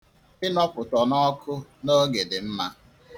Ịnọpụta n'ọkụ n'oge dị mma.